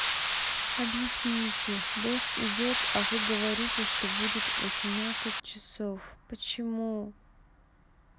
объясните дождь идет а вы говорите что будет восемнадцать часов почему